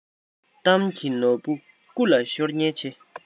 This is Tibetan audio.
གཏམ གྱི ནོར བུ རྐུ ལ ཤོར ཉེན ཆེ